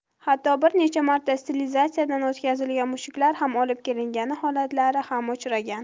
hatto bir necha marta sterilizatsiyadan o'tkazilgan mushuklar ham olib kelingani holatlari ham uchragan